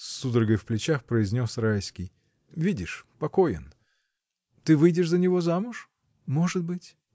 — с судорогой в плечах произнес Райский, — видишь, покоен! Ты выйдешь за него замуж? — Может быть.